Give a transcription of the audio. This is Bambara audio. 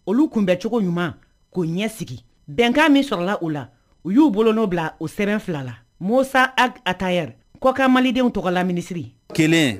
Olu kunbɛcogo ɲuman, k'o ɲɛ sigi, bɛnkan min sɔrɔla u la u y'u bolo n'o bila o sɛbɛn fila la Mosa Agi Atayɛri kɔkan Malidenw tɔgɔla minisiri kelen